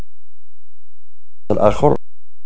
الاخ